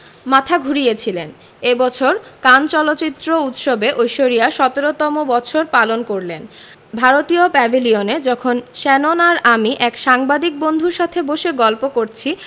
মাথা ঘুরিয়েছিলেন এ বছর কান চলচ্চিত্র উৎসবে ঐশ্বরিয়া ১৭তম বছর পালন করলেন ভারতীয় প্যাভিলিয়নে যখন শ্যানন আর আমি এক সাংবাদিক বন্ধুর সাথে বসে গল্প করছি